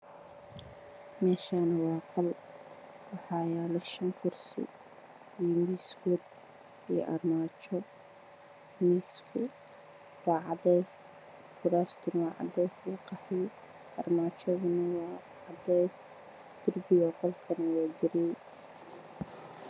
meshanu wa qol waxa yalo shan kursi iyo miiskod iyo armajo miisku wacades kurastuna wa cades armajaduna wa Cades darbiga qolkuna wagadud